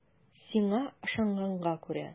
Сиңа ышанганга күрә.